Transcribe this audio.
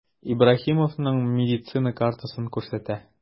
Ибраһимовның медицина картасын күрсәтә.